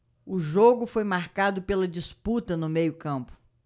o jogo foi marcado pela disputa no meio campo